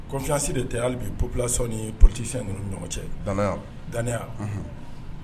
confiance de tɛ hali bi - population ni politicienw nin ɲɔgɔn cɛ . Danaya, danaya